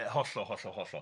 Yy hollol, hollol, hollol.